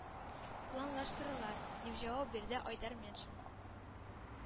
Планлаштырыла, – дип җавап бирде айдар метшин.